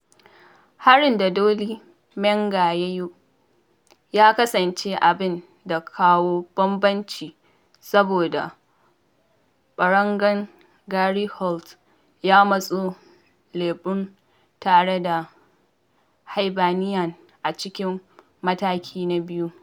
Harin da Dolly Menga ya yi ya kasance abin da kawo bambanci saboda ɓangaren Gary Holt ya motsa lebur tare da Hibernian a cikin mataki na biyu.